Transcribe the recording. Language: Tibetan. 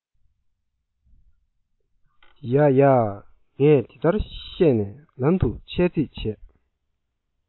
ཡ ཡངས དེ ལྟར བཤད ནས ལམ དུ ཆས རྩིས བྱས